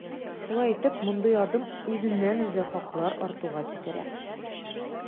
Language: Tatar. Шулай итеп, мондый адым үзеннән-үзе хаклар артуга китерә.